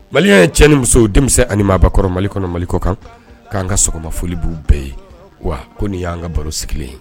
Maliya in cɛ ni musow denmisɛn ani maabakɔrɔ mali kɔnɔ mali kɔ kan k'an ka sɔgɔmaoli b'u bɛɛ ye wa ko nin y'an ka baro sigilen ye